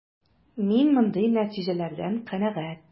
Мин мондый нәтиҗәләрдән канәгать.